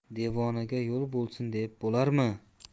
devonaga yo'l bo'lsin deb bo'larmi